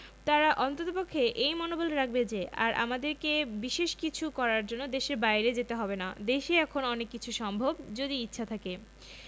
তারা অন্ততপক্ষে এই মনোবল রাখবে যে আর আমাদেরকে বিশেষ কিছু করার জন্য দেশের বাইরে যেতে হবে না দেশেই এখন অনেক কিছু সম্ভব যদি ইচ্ছা থাকে